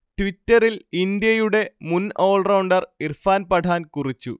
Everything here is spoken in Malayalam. ട്വിറ്ററിൽ ഇന്ത്യയുടെ മുൻ ഓൾറൗണ്ടർ ഇർഫാൻ പഠാൻ കുറിച്ചു